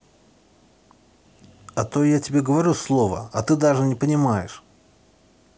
а то я тебе говорю слово а ты даже его не понимаешь